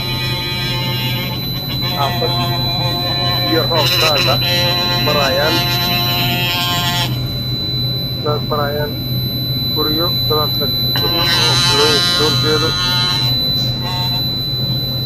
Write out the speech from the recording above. Waa wado biyo ayaa la fadhiya